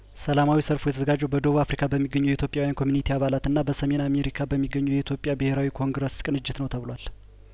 ሰላማዊ ሰልፉ የተዘጋጀው በደቡብ አፍሪካ በሚገኙ የኢትዮጵያውያን ኮሚኒቲ አባላት እና በሰሜን አሜሪካ በሚገኘው የኢትዮጵያ ብሄራዊ ኮንግረስ ቅንጅት ነው ተብሏል